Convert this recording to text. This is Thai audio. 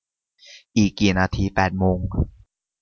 อีกกี่นาทีแปดโมง